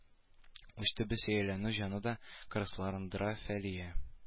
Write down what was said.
Уч төбе сөялләнү җанны да кырысландыра фалия